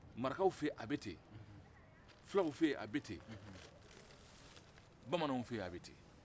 marakaw fɛ yen a bɛ ten fulaw fɛ yen a bɛ ten bamananw fɛ yen a bɛ ten